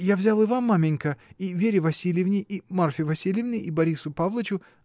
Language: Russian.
Я взял и вам, маменька, и Вере Васильевне, и Марфе Васильевне, и Борису Павлычу.